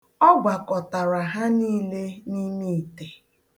Ọ gwakọtara ha niile n'ime ite.